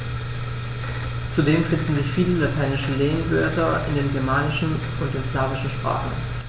Zudem finden sich viele lateinische Lehnwörter in den germanischen und den slawischen Sprachen.